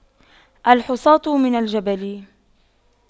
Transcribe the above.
الحصاة من الجبل